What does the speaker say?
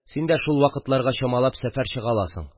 Син дә шул вакытларга чамалап сәфәр чыга аласың.